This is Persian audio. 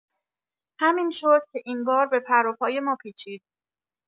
همین شد که این بار به پر و پای ما پیچید